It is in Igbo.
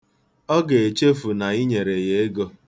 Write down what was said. Ọ ga-echefu na i nyere ya ego.